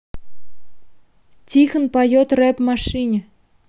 тихон поет рэп в машине